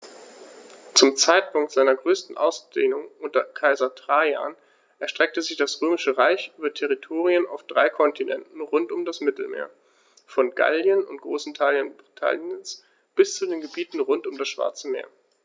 Zum Zeitpunkt seiner größten Ausdehnung unter Kaiser Trajan erstreckte sich das Römische Reich über Territorien auf drei Kontinenten rund um das Mittelmeer: Von Gallien und großen Teilen Britanniens bis zu den Gebieten rund um das Schwarze Meer.